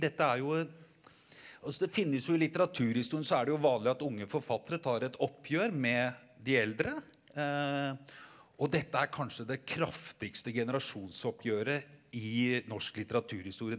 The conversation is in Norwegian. dette er jo et altså det finnes jo i litteraturhistorien så er det jo vanlig at unge forfattere tar et oppgjør med de eldre og dette er kanskje det kraftigste generasjonsoppgjøret i norsk litteraturhistorie.